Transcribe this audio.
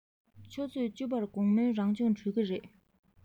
ཆུ ཚོད བཅུ པར དགོང མོའི རང སྦྱོང གྲོལ གྱི རེད